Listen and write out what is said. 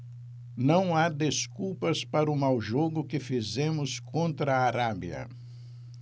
não há desculpas para o mau jogo que fizemos contra a arábia